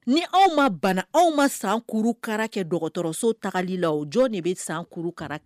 Ni aw ma bana aw ma san kurukara kɛ dɔgɔtɔrɔso tali la jɔ de bɛ san kurukara kɛ